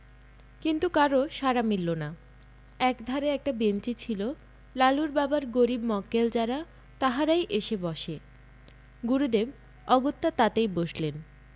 কিন্তু কারও সাড়া মিলল না একধারে একটা বেঞ্চি ছিল লালুর বাবার গরীব মক্কেল যারা তাহারই এসে বসে গুরুদেব অগত্যা তাতেই বসলেন